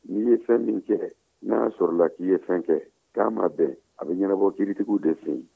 n'i ye fɛn min kɛ n'a sɔrɔla k'i ye fɛn kɛ k'a ma bɛn a bɛ ɲɛnabɔ kiiritigiw de fɛ yen